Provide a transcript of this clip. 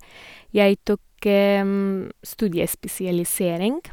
Jeg tok studiespesialisering.